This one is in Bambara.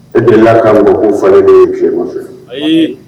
E delila ka ngɔku falelen ye tilema fɛ ayiii